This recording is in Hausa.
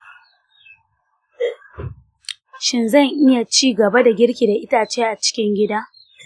shin zan iya ci gaba da girki da itace a cikin gida?